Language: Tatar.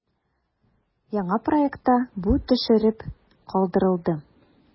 Яңа проектта бу төшереп калдырылды.